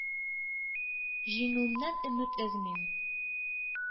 Җиңүемнән өмет өзмим,